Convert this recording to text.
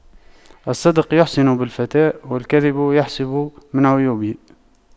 الصدق يحسن بالفتى والكذب يحسب من عيوبه